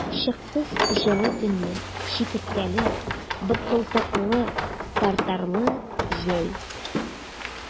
Чыксыз җылы төнле, чикерткәле, бытбылдыклы, тартарлы җәй!